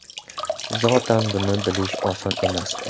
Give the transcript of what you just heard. zotan buni bilish oson emasdi